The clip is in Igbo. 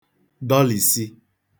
dọlìsi